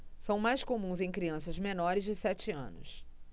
são mais comuns em crianças menores de sete anos